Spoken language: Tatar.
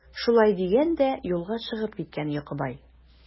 Шулай дигән дә юлга чыгып киткән Йокыбай.